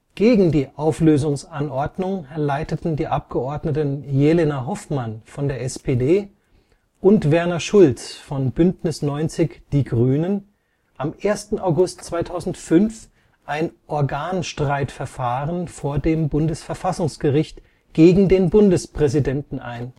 Gegen die Auflösungsanordnung leiteten die Abgeordneten Jelena Hoffmann (SPD) und Werner Schulz (Bündnis 90/Die Grünen) am 1. August 2005 ein Organstreitverfahren vor dem Bundesverfassungsgericht gegen den Bundespräsidenten ein